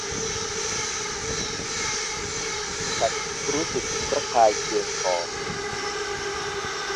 ฉันรู้สึกระคายเคืองคอ